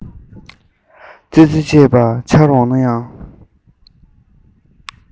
ཙི ཙི བཅས པ འཆར འོང ན ཡང